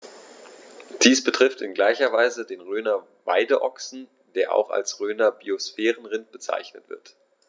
Dies betrifft in gleicher Weise den Rhöner Weideochsen, der auch als Rhöner Biosphärenrind bezeichnet wird.